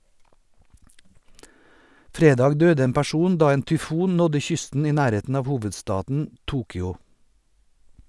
Fredag døde en person da en tyfon nådde kysten i nærheten av hovedstaden Tokyo.